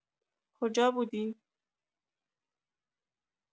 کجا بودی؟